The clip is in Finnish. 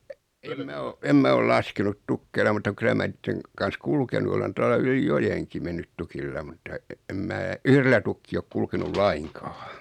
en minä ole en minä ole laskenut tukeilla mutta kyllä minä niiden kanssa kulkenut olen tuolla yli joenkin mennyt tukilla mutta en minä yhdellä tukkia ole kulkenut lainkaan